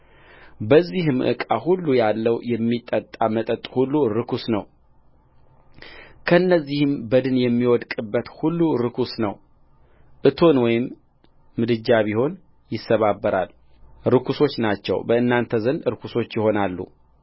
በዚህም ዕቃ ሁሉ ያለው የሚጠጣ መጠጥ ሁሉ ርኩስ ነውከእነዚህም በድን የሚወድቅበት ሁሉ ርኩስ ነው እቶን ወይም ምድጃ ቢሆን ይሰባበራል ርኩሶች ናቸው በእናንተ ዘንድ ርኩሶች ይሆናሉ